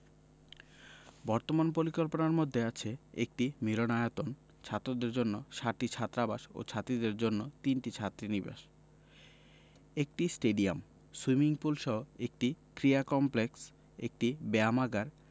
বর্তমান পরিকল্পনার মধ্যে আছে একটি মিলনায়তন ছাত্রদের জন্য সাতটি ছাত্রাবাস ও ছাত্রীদের জন্য তিনটি ছাত্রীনিবাস একটি স্টেডিয়াম সুইমিং পুলসহ একটি ক্রীড়া কমপ্লেক্স একটি ব্যায়ামাগার